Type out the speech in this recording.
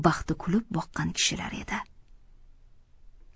baxti kulib boqqan kishilar edi